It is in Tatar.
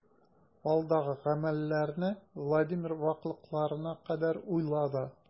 Алдагы гамәлләрне Владимир ваклыкларына кадәр уйлады.